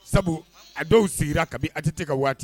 Sabu a dɔw sigira ka a tɛ ka waati